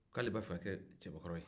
k'ale b'a fɛ ka kɛ cɛbakɔrɔ ye